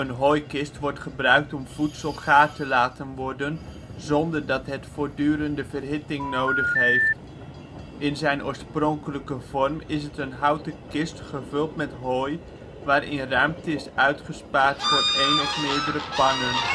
hooikist wordt gebruikt om voedsel gaar te laten worden zonder dat het voortdurende verhitting nodig heeft. In zijn oorspronkelijke vorm is het een houten kist gevuld met hooi, waarin ruimte is uitgespaard voor één of meerdere pannen